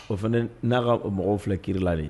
O fɛnɛ n n'a ka mɔgɔw filɛ kiri la ni ye